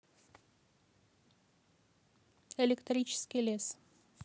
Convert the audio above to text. электрический пес